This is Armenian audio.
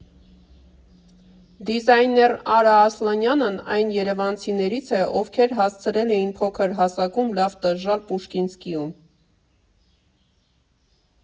Դիզայներ Արա Ասլանյանն այն երևանցիներից է, ովքեր հասցրել էին փոքր հասակում լավ տժժալ «Պուշկինսկիում»։